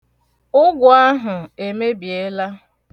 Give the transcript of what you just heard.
Ụgụ ahụ emebiela.